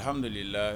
Hamlilila